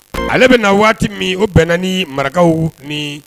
Ale bɛna na waati min o bɛnna ni marakaw ni